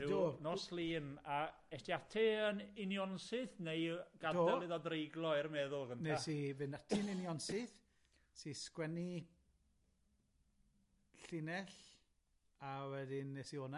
Rhyw nos Lun, a est ti ati yn unionsyth neu gade'l... Do. ...iddo ddreiglo i'r meddwl gynta? Nes i fynd ati yn unionsyth, nes i sgwennu llinell, a wedyn es i o 'na.